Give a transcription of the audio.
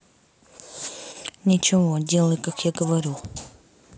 ничего делай как я говорю